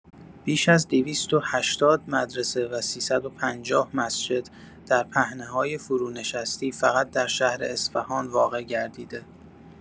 بیش از دویست و هشتاد مدرسه و سیصد و پنجاه مسجد در پهنه‌های فرونشستی فقط در شهر اصفهان واقع گردیده